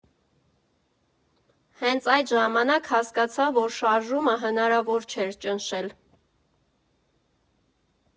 Հենց այդ ժամանակ հասկացա, որ շարժումը հնարավոր չէր ճնշել.